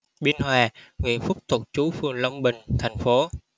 biên hòa nguyễn phúc thuận trú phường long bình thành phố